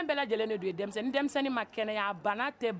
Lajɛlen ye ma kɛnɛ